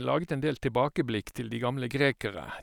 Laget en del tilbakeblikk til de gamle grekere.